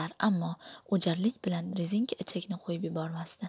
ammo o'jarlik bilan rezinka ichakni qo'yib yubormasdi